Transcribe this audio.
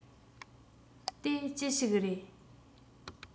དེ ཅི ཞིག རེད